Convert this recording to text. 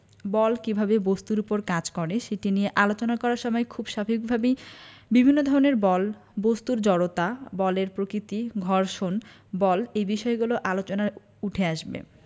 বল কীভাবে বস্তুর উপর কাজ করে সেটি নিয়ে আলোচনা করার সময় খুব স্বাভাবিকভাবেই বিভিন্ন ধরনের বল বস্তুর জড়তা বলের প্রকৃতি ঘর্ষণ বল এই বিষয়গুলোও আলোচনায় উঠে আসবে